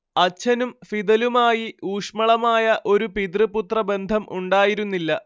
അച്ഛനും ഫിദലുമായി ഊഷ്മളമായ ഒരു പിതൃ പുത്രബന്ധം ഉണ്ടായിരുന്നില്ല